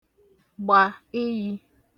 gbà iyī